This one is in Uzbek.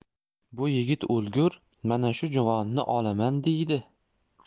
bu yigit o'lgur mana shu juvonni olaman deydi